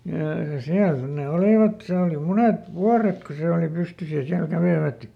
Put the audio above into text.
ja siellä sitten ne olivat se oli monet vuodet kun se oli pystyssä ja siellä kävivät